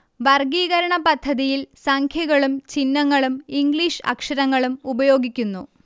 വർഗ്ഗീകരണ പദ്ധതിയിൽ സംഖ്യകളും ചിഹ്നങ്ങളും ഇംഗ്ലീഷ് അക്ഷരങ്ങളും ഉപയോഗിക്കുന്നു